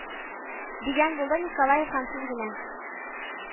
Дигән булды николаев гамьсез генә